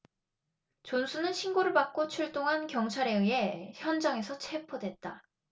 존슨은 신고를 받고 출동한 경찰에 의해 현장에서 체포됐다